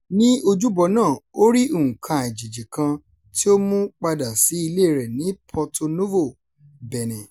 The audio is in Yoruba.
Ní ojúbọ náà, ó rí “nǹkan àjèjì” kan tí ó mú padà sí ilé rẹ̀ ní Porto-Novo, Bẹ̀nẹ̀.